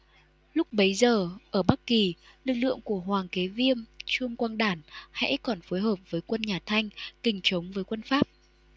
lúc bấy giờ ở bắc kỳ lực lượng của hoàng kế viêm trương quang đản hãy còn phối hợp với quân nhà thanh kình chống với quân pháp